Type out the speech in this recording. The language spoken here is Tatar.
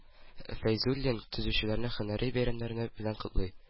Фәйзуллин төзүчеләрне һөнәри бәйрәмнәре белән котлый